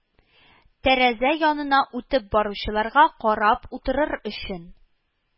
Тәрәзә янына үтеп баручыларга карап утырыр өчен